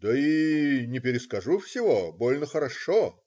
Да я и не перескажу всего - больно хорошо".